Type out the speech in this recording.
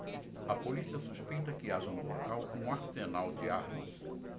a polícia suspeita que haja no local um arsenal de armas